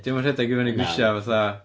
'Di o'm yn rhedeg i fyny grisiau fatha... Na.